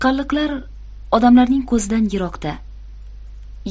qalliqlar odamlarning ko'zidan yiroqda